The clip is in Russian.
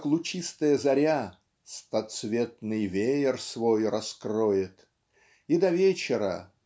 как лучистая заря "стоцветный веер свой раскроет" и до вечера